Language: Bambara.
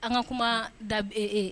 An ka kuma dae